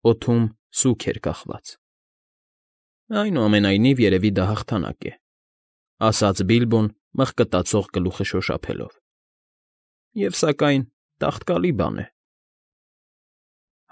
Օդում սուգ էր կախված։ ֊ Այնուամենայնիվ, երևի դա հաղթանակ է…֊ ասաց Բիլբոն, մղկտացող գլուխը շոշափելով։֊ Եվ, սակայն, տաղտկալի բան է։